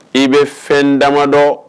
I bɛ fɛn damadɔ.